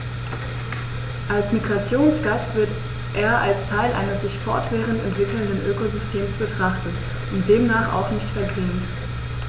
Als Migrationsgast wird er als Teil eines sich fortwährend entwickelnden Ökosystems betrachtet und demnach auch nicht vergrämt.